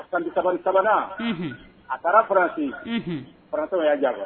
A san 33nan a taara France franàais w y'a janfan